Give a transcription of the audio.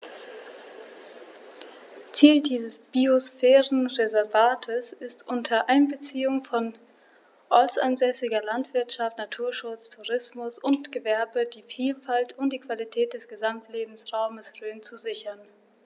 Ziel dieses Biosphärenreservates ist, unter Einbeziehung von ortsansässiger Landwirtschaft, Naturschutz, Tourismus und Gewerbe die Vielfalt und die Qualität des Gesamtlebensraumes Rhön zu sichern.